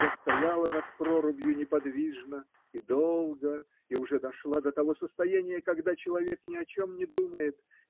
Я стояла над прорубью неподвижно и долго и уже дошла до того состояния, когда человек ни о чем не думает.